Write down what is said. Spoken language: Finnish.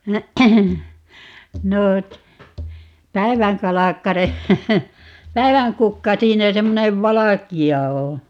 no päivänkalkkare päivänkukka siinä semmoinen valkea on